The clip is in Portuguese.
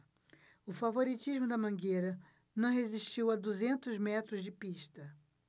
o favoritismo da mangueira não resistiu a duzentos metros de pista